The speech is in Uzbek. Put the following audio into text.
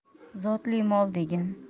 zotli mol degin